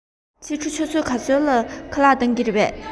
ཕྱི དྲོ ཆུ ཚོད ག ཚོད ལ ཁ ལག གཏོང གི རེད པས